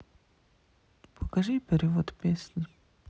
покажи перевод песни